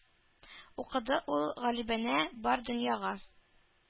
Укыды ул галибанә бар дөньяга.